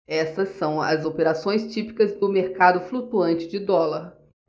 essas são as operações típicas do mercado flutuante de dólar